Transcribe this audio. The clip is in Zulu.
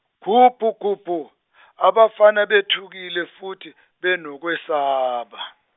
gubhu gubhu, abafana bethukile futhi benokwesaba.